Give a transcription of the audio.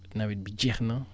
nawet bi jeex na